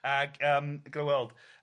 Ag yym gyda weld